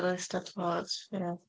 Yr Eisteddfod, ie.